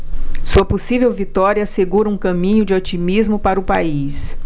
sua possível vitória assegura um caminho de otimismo para o país